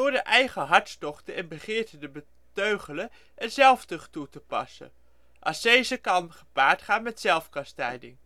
de eigen hartstochten en begeerten te beteugelen en zelftucht toe te passen. Ascese kan gepaard gaan met zelfkastijding